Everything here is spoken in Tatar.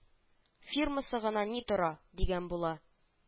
Фирмасы гына ни тора, дигән була